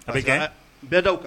A bɛ bɛɛdaw kan